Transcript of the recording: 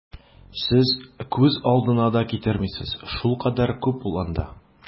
Сез күз алдына да китермисез, шулкадәр күп ул анда!